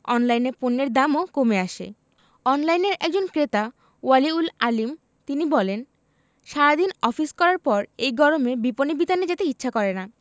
অনলাইনে পণ্যের দামও কমে আসে অনলাইনের একজন ক্রেতা ওয়ালি উল আলীম তিনি বলেন সারা দিন অফিস করার পর এই গরমে বিপণিবিতানে যেতে ইচ্ছে করে না